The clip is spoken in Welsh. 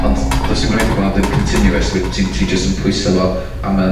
ond do's dim raid i fod yn continuous fy- ti ti jyst yn pwyso fo a ma' yn